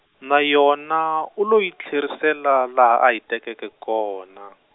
na yona, u lo yi tlherisela laha a yi tekeke kona.